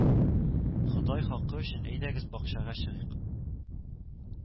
Ходай, хакы өчен, әйдәгез бакчага чыгыйк